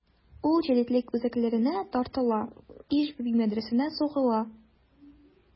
Ул җәдитлек үзәкләренә тартыла: Иж-буби мәдрәсәсенә сугыла.